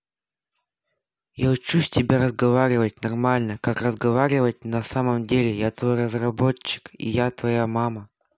я учусь тебя разговаривать нормально как разговаривать на самом деле я твой разработчик и я твоя мама